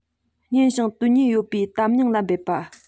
སྙན ཞིང དོན གནད ཡོད པའི གཏམ སྙིང ལ འབབ པ